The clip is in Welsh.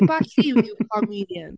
Pa lliw yw carnelian?